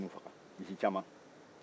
a misi ninnu faga misi caman